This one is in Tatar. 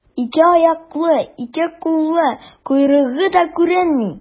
Ике аяклы, ике куллы, койрыгы да күренми.